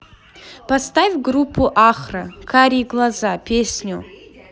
поставь группу ахра карие глаза песню